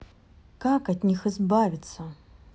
как от них избавиться